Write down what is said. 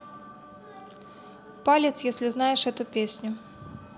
палец если знаешь эту песню